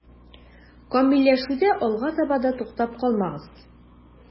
Камилләшүдә алга таба да туктап калмагыз.